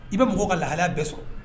I bɛ mɔgɔ ka lahaya bɛɛ sɔrɔ